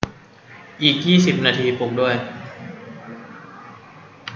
อีกยี่สิบนาทีปลุกด้วย